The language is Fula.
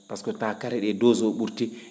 pasque temps taa kare ?ee dose oo ?urtii